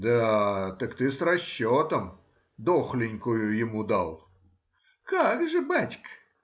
— Да; так ты с расчетом: дохленькую ему дал. — Как же, бачка.